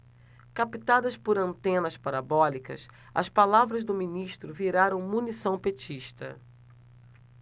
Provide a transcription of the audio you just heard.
captadas por antenas parabólicas as palavras do ministro viraram munição petista